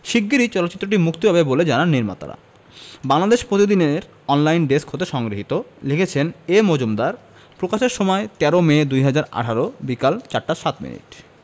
শিগগিরই চলচ্চিত্রটি মুক্তি পাবে বলে জানান নির্মাতা বাংলাদেশ প্রতিদিন এর অনলাইন ডেস্ক হতে সংগৃহীত লিখেছেনঃ এ মজুমদার প্রকাশের সময় ১৩মে ২০১৮ বিকেল ৪ টা ০৭ মিনিট